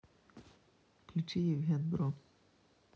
включи евген бро